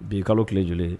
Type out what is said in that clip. Bi ye kalo tile joli ye?